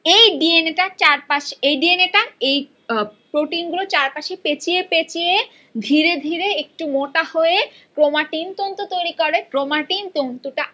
এই ডিএনএর টা চারপাশে এই ডিএনএ টা প্রোটিনগুলোর চারপাশে পেচিয়ে পেচিয়ে ধীরে ধীরে একটু মোটা হয়ে ক্রোমাটিন তন্তু তৈরি করে ক্রোমাটিন তন্তু টা